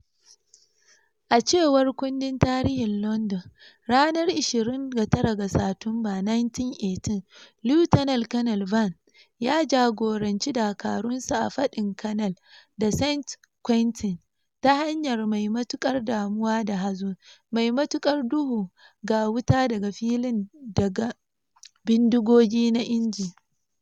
A cewar kundin tarihin London, ranar 29 ga Satumba 1918, Lt Col Vann ya jagoranci dakarunsa a fadin Canal de Saint-Quentin "ta hanyar mai matukar damuwa da hazo mai matukar duhu ga wuta daga filin daga da bindigogi na inji."